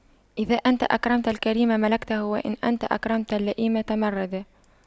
إذا أنت أكرمت الكريم ملكته وإن أنت أكرمت اللئيم تمردا